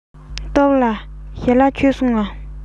སྟོབས ལགས ཞལ ལག མཆོད སོང ངས